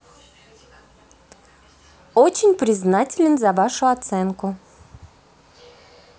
очень признателен за вашу оценку